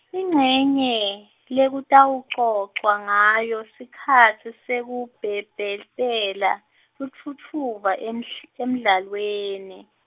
incenye, lekutawucocwa ngayo sikhatsi sekubhebhesela lutfutfuva emhl- emdlalweni.